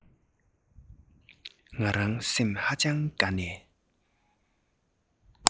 ང རང སེམས ཧ ཅང དགའ ནས